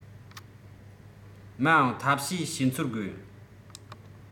མའང ཐབས ཤེས ཤེས འཚོལ དགོས